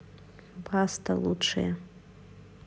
баста лучшее